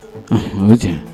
Aa o ye tiɲɛ